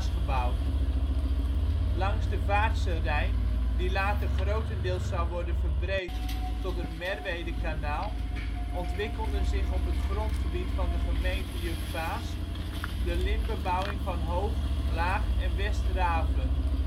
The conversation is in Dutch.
gebouwd. Langs de Vaartse Rijn, die later grotendeels zou worden verbreed tot het Merwedekanaal, ontwikkelden zich op het grondgebied van de gemeente Jutphaas de lintbebouwing van Hoog, Laag en West Raven